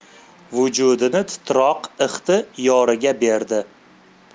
vujudini titroq ixti yoriga berdi